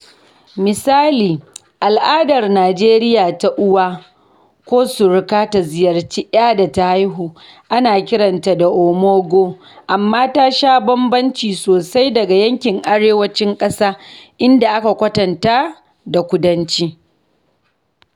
Misali, al’adar Najeriya ta uwa ko suruka ta ziyarci ‘ya da ta haihu, ana kiran ta omugwo, amma ta sha bambanci sosai daga yankin arewacin ƙasar idan aka kwatanta da kudanci.